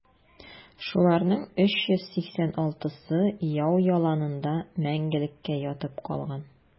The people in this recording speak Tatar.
Шуларның 386-сы яу яланында мәңгелеккә ятып калган.